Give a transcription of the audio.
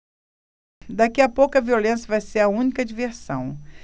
daqui a pouco a violência vai ser a única diversão